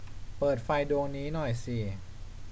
เปิดไฟดวงนี้หน่อยสิ